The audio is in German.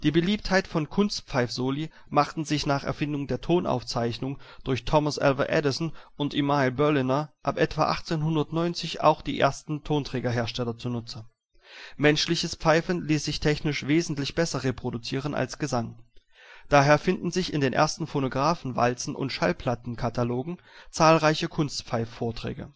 Beliebtheit von Kunstpfeif-Soli machten sich nach Erfindung der Tonaufzeichnung durch Thomas Alva Edison und Emile Berliner ab etwa 1890 auch die ersten Tonträger-Hersteller zunutze: menschliches Pfeifen ließ sich technisch wesentlich besser reproduzieren als Gesang; daher finden sich in den ersten Phonographenwalzen - und Schallplattenkatalogen zahlreiche Kunstpfeif-Vorträge